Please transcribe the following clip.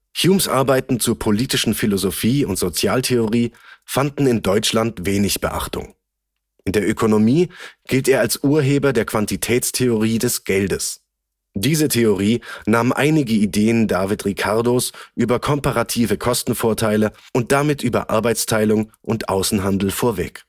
Humes Arbeiten zur Politischen Philosophie und zur Sozialtheorie fanden in Deutschland wenig Beachtung. In der Ökonomie gilt er als Urheber der Quantitätstheorie des Geldes. Diese Theorie nahm einige Ideen David Ricardos über komparative Kostenvorteile und damit über Arbeitsteilung und Außenhandel vorweg